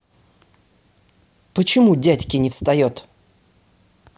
почему дядьки не встает